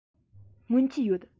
སྔོན ཆད ཡོད